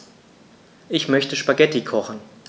Ich möchte Spaghetti kochen.